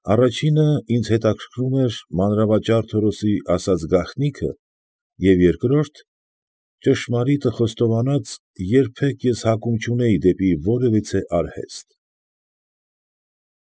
Առաջինը, ինձ հետաքրքրում էր մանրավաճառ Թորոսի ասած գաղտնիքը և երկրորդ, ճշմարիտը խոստովանած, երբեք ես հակումն չունեի դեպի որևիցե արհեստ։